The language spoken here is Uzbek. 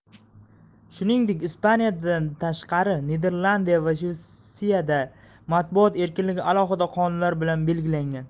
shuningdek ispaniyadan tashqari niderlandiya va shvetsiyada matbuot erkinligi alohida qonunlar bilan belgilangan